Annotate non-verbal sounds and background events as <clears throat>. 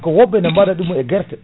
ko woɓɓe ne baɗa <clears throat> ɗum e guerte